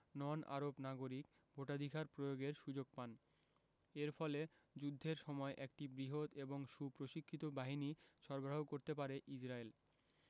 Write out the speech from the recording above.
নন Arab নাগরিক ভোটাধিকার প্রয়োগের সুযোগ পান এর ফলে যুদ্ধের সময় একটি বৃহৎ এবং সুপ্রশিক্ষিত বাহিনী সরবরাহ করতে পারে ইসরায়েল